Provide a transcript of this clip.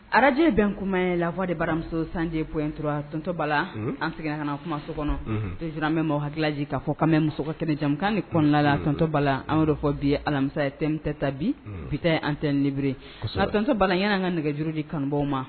Araj bɛn kuma ye la fɔ de baramuso sanjipturatɔntɔba la an seginna ka na kumaso kɔnɔ pur an bɛ maaw hakililaji k'a fɔ ka musotɛjamukan ni kɔnɔnala la tɔnontɔba an yɛrɛo fɔ bi alamisa 1teta bi bita an tɛ britɔntɔba ɲɛna an ka nɛgɛjurudi kanubaw ma